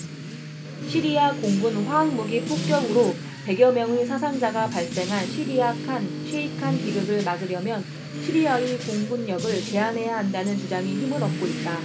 시리아 공군 화학무기 폭격으로 백 여 명의 사상자가 발생한 시리아 칸 셰이칸 비극을 막으려면 시리아의 공군력을 제한해야 한다는 주장이 힘을 얻고 있다